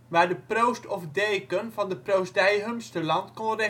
waar de proost of deken van de proosdij Humsterland kon